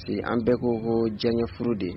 Ee an bɛɛ ko hɔ janɲɛforo de